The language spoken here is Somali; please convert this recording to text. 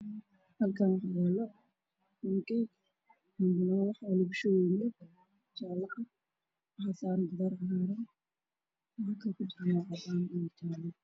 Halkan maxaa yeelo u d-kalkiisii yahay jaaro waxaana saaran khudaar cagaaran